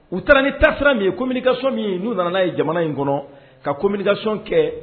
U taara ni taasira min ye communication min ye n'u nana ye jamana in kɔnɔ, ka communication kɛ